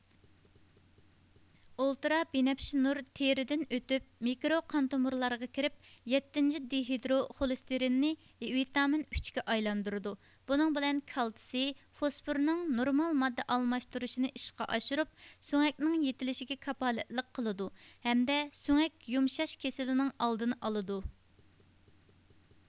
ئۇلتىرا بىنەپشە نۇر تېرىدىن ئۆتۈپ مىكرو قان تومۇرلارغا كىرىپ يەتتىنچى دىھېدرو خولېستېرىننى ۋىتامىن ئۈچ كە ئايلاندۇرىدۇ بۇنىڭ بىلەن كالتسىي فوسفورنىڭ نورمال ماددا ئالماشتۇرۇشىنى ئىشقا ئاشۇرۇپ سۆڭەكنىڭ يېتىلىشىگە كاپالەتلىك قىلىدۇ ھەمدە سۆڭەك يۇمشاش كېسىلىنىڭ ئالدىنى ئالىدۇ